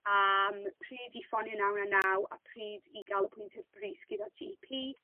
am pryd i ffonio naw naw naw a pryd i ga'l apwyntiad brys gyda Gee Pee